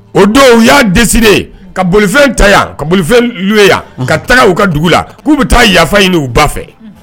O don u y'a dɛsɛ de ka bolifɛn ta yan ka bolilu yan ka taga uu ka dugu la k'u bɛ taa yafa ɲini uu ba fɛ